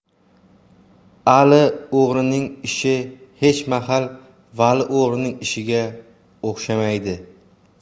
ali o'g'rining ishi hech mahal vali o'g'rining ishiga o'xshamaydi